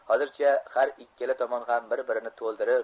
hozircha har ikkala tomon ham bir birini to'ldirib